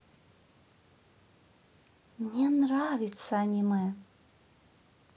мне нравится аниме